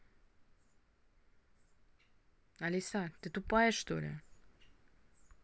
алиса ты тупая что ли